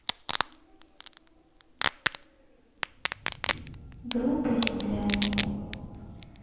группа земляне